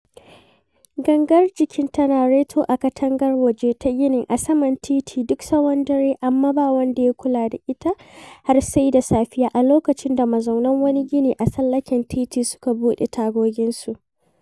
Gangar jikin tana reto a katangar waje ta ginin a saman titin duk tsawon dare, amma ba wanda ya kula da ita har sai da safiya a lokacin da mazaunan wani gini a tsallaken titi suka buɗe tagoginsu.